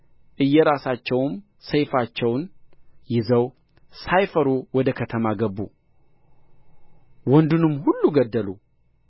እየራሳቸው ሰይፋቸውን ይዘው ሳይፈሩ ወደ ከተማ ገቡ ወንዱንም ሁሉ ገደሉ